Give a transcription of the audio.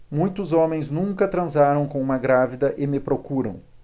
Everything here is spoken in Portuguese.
muitos homens nunca transaram com uma grávida e me procuram